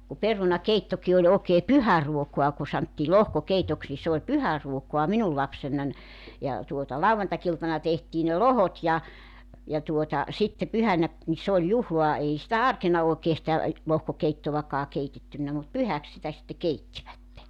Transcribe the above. kun perunakeittokin oli oikein pyhäruokaa kun sanottiin lohkokeitoksi niin se oli pyhäruokaa minun lapsenani ja tuota lauantai-iltana tehtiin ne lohkot ja ja tuota sitten pyhänä niin se oli juhlaa ei sitä arkena oikein sitä lohkokeittoakaan keitetty mutta pyhäksi sitä sitten keittivät